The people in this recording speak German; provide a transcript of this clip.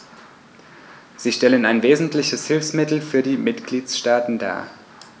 Sie stellen ein wesentliches Hilfsmittel für die Mitgliedstaaten dar.